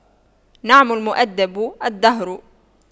نعم المؤَدِّبُ الدهر